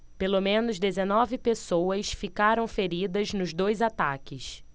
pelo menos dezenove pessoas ficaram feridas nos dois ataques